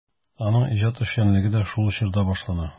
Аның иҗат эшчәнлеге дә шул чорда башлана.